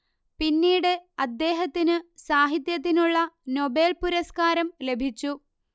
പിന്നീട് അദ്ദേഹത്തിനു സാഹിത്യത്തിനുള്ള നോബേൽ പുരസ്കാരം ലഭിച്ചു